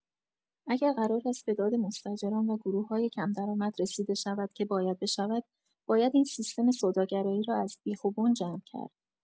اگر قرار است به داد مستاجران و گروه‌های کم‌درآمد رسیده شود که باید بشود، باید این سیستم سوداگرایی را از بیخ و بن جمع کرد.